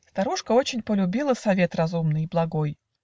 Старушка очень полюбила Совет разумный и благой